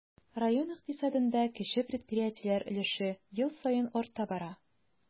Район икътисадында кече предприятиеләр өлеше ел саен арта бара.